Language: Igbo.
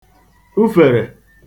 ufèrè